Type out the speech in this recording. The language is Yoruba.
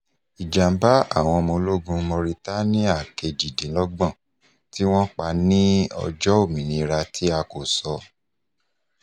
Ìjàm̀bá Àwọn Ológun Mauritania 28 tí wọ́n pa ní ọjọ́ Òmìnira tí a kò sọ